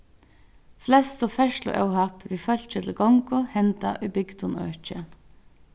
flestu ferðsluóhapp við fólki til gongu henda í bygdum øki